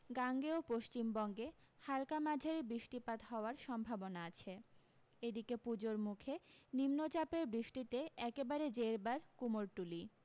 গাঙ্গেয় পশ্চিমবঙ্গে হালকা মাঝারি বৃষ্টিপাত হওয়ার সম্ভাবনা আছে এদিকে পূজোর মুখে নিম্নচাপের বৃষ্টিতে একেবারে জেরবার কুমোরটুলি